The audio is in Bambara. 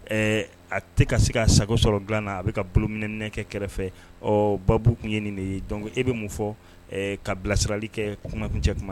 Ɛɛ a tɛ ka se ka sago sɔrɔ dilan na a bɛ ka bolominɛnɛkɛ kɛrɛfɛ babugu tun ye nin dɔn e bɛ mun fɔ ka bilasirali kɛ kumakun cɛ kuma